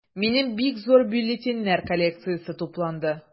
Минем бик зур бюллетеньнәр коллекциясе тупланды.